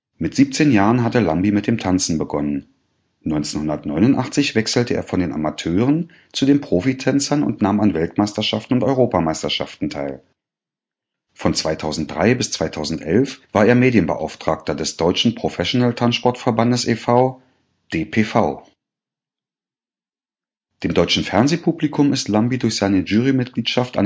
Mit 17 Jahren hatte Llambi mit dem Tanzen begonnen. 1989 wechselte er von den Amateuren zu den Profitänzern und nahm an Weltmeisterschaften und Europameisterschaften teil. Von 2003 bis 2011 war er Medienbeauftragter des Deutschen Professional Tanzsportverbandes e.V. (DPV). Dem deutschen Fernsehpublikum ist Llambi durch seine Jurymitgliedschaft